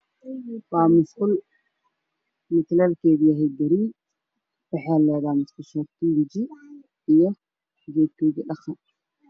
Waa musqul mutuleelkeedu yahay barii waxay leedahay musqusha fiiniji iyo keeda lagu dhaqo